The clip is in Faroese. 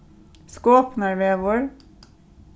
skopunarvegur